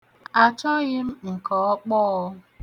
Achọghị m nke ọkpọọ.